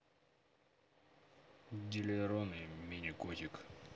диллерон и миникотик